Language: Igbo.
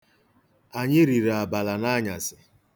Anyị riri abala n'anyasị.